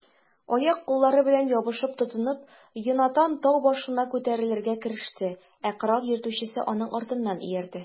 Аяк-куллары белән ябышып-тотынып, Йонатан тау башына күтәрелергә кереште, ә корал йөртүчесе аның артыннан иярде.